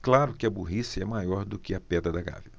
claro que a burrice é maior do que a pedra da gávea